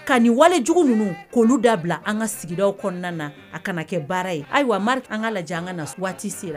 Ka nin wale jugu ninnu koloolu da bila an ka sigida kɔnɔna na a kana kɛ baara ye ayiwa mariri an kaa lajɛ an ka na waati sen la